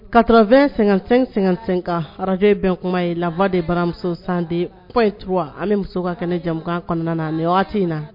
80 55 55 Radio ye Bɛnkuma ye la voix de baramuso 102.3 an be musow ka kɛnɛ jamukan kɔnɔna na ni waati in na